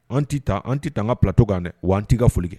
An tɛ taa an tɛ tan an ka ptokan dɛ waan tɛ ka foli kɛ